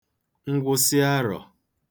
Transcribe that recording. ngwụsị arọ̀